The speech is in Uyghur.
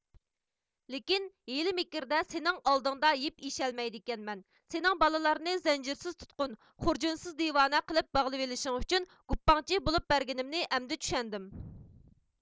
لېكىن ھىيلە مىكىردە سېنىڭ ئالدىڭدا يىپ ئېشەلمەيدىكەنمەن سېنىڭ بالىلارنى زەنجىرسىز تۇتقۇن خۇرجۇنسىز دىۋانە قىلىپ باغلىۋېلىشىڭ ئۈچۈن گۇپپاڭچى بولۇپ بەرگىنىمنى ئەمدى چۈشەندىم